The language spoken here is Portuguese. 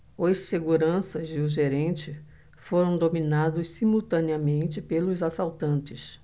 os seguranças e o gerente foram dominados simultaneamente pelos assaltantes